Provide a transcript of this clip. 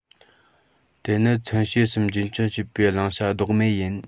དེ ནི མཚོན བྱེད གསུམ རྒྱུན འཁྱོངས བྱེད པའི བླང བྱ ལྡོག མེད ཡིན